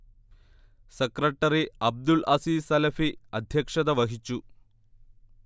secretary Abdul Aziz Salafi അധ്യക്ഷത വഹിച്ചു